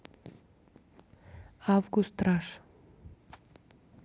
август раш